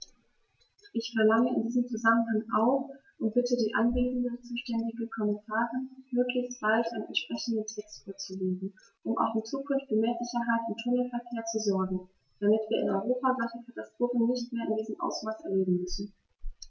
Ich verlange in diesem Zusammenhang auch und bitte die anwesende zuständige Kommissarin, möglichst bald einen entsprechenden Text vorzulegen, um auch in Zukunft für mehr Sicherheit im Tunnelverkehr zu sorgen, damit wir in Europa solche Katastrophen nicht mehr in diesem Ausmaß erleben müssen!